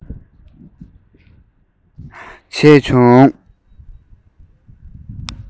ཡང ཡང བྱིལ བྱས བྱུང